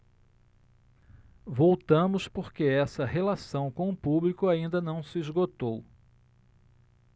voltamos porque essa relação com o público ainda não se esgotou